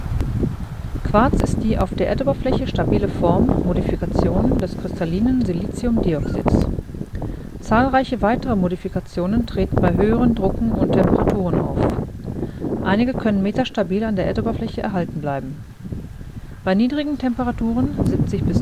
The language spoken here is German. die auf der Erdoberfläche stabile Form (Modifikation) des kristallinen Siliciumdioxids. Zahlreiche weitere Modifikationen treten bei höheren Drucken und Temperaturen auf. Einige können metastabil an der Erdoberfläche erhalten bleiben. Bei niedrigen Temperaturen (70-200